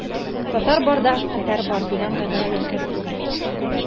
Татар барда хәтәр бар дигән гыйбарә яшәп килә.